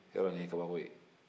i y'a dɔn nin ye kabako ye